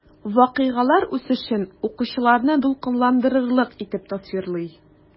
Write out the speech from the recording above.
Вакыйгалар үсешен укучыларны дулкынландырырлык итеп тасвирлый.